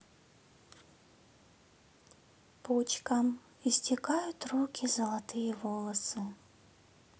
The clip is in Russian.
почкам истекают руки золотые волосы